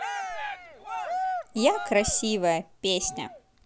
я красивая песня